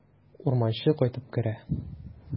Урманчы кайтып керә.